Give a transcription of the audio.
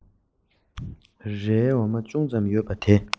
རའི འོ མ ཅུང ཙམ ཡོད པ དེ